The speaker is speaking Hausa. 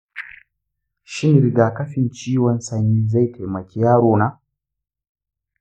shin rigakafin ciwon sanyi zai taimaki yaro na?